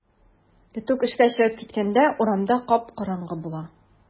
Иртүк эшкә чыгып киткәндә урамда кап-караңгы була.